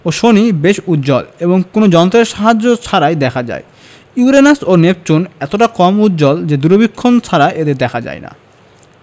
ও শনি বেশ উজ্জ্বল এবং কোনো যন্ত্রের সাহায্য ছাড়াই দেখা যায় ইউরেনাস ও নেপচুন এতটা কম উজ্জ্বল যে দূরবীক্ষণ ছাড়া এদের দেখা যায় না